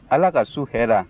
ala ka su hɛra